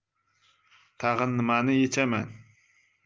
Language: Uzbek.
tag'in nimani yechaman